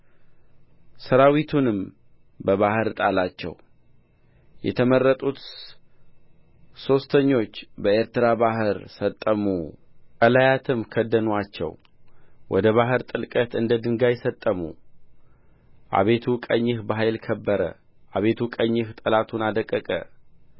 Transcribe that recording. ሠራዊቱንም በባሕር ጣላቸው የተመረጡት ሦስተኞች በኤርትራ ባሕር ሰጠሙ ቀላያትም ከደኑአቸው ወደ ባሕር ጥልቀት እንደ ድንጋይ ሰጠሙ አቤቱ ቀኝህ በኃይል ከበረ አቤቱ ቀኝህ ጠላቱን አደቀቀ